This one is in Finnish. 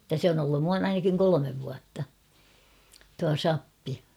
että se on ollut noin ainakin kolme vuotta tuo sappi